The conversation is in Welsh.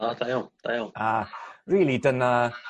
O da iawn. Da iawn. A rili dyna